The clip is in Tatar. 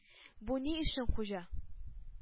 — бу ни эшең, хуҗа?